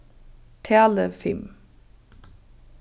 talið fimm